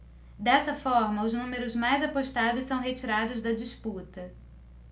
dessa forma os números mais apostados são retirados da disputa